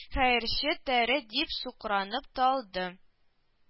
Хәерче тәре дип сукранып та алды